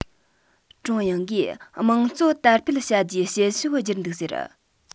ཀྲུང དབྱང གིས དམངས གཙོ དར སྤེལ བྱ རྒྱུའི བྱེད ཕྱོགས བསྒྱུར འདུག ཟེར